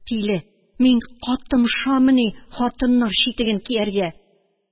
Тиле, мин катымшамыни хатыннар читеген кияргә